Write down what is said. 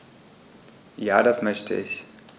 Ja, das möchte ich.